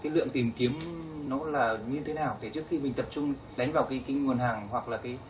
cái lượng tìm kiếm nó là như thế nào để trước khi mình tập trung đánh vào kí kí nguồn hàng hoặc là cái